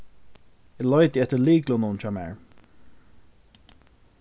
eg leiti eftir lyklunum hjá mær